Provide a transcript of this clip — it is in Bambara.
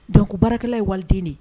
Dɔnku baarakɛla ye waliden ye